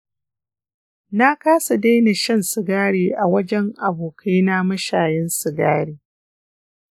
na kasa daina shan sigari a wajan abokaina mashayan sigari.